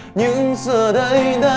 nhưng giờ đây đành